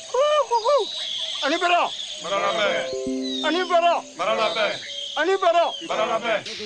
Ko ko ani bara ani bara bara ani bara labɛn